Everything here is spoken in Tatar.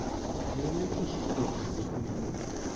Хәерле кич, доктор Зәйтүнә.